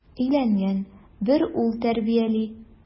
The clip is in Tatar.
Өйләнгән, бер ул тәрбияли.